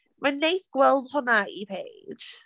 Mae'n neis gweld hwnna i Paige.